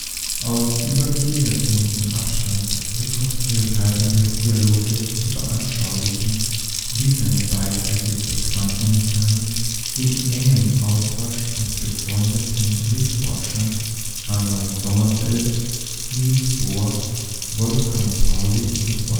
Aus über vier Jahrzehnten Abstand rekonstruiert Heisenberg Dialoge, die veranschaulichen, wie seine Beiträge zur Quantenmechanik in engem Austausch mit befreundeten Mitforschern (Arnold Sommerfeld, Niels Bohr, Wolfgang Pauli u. a.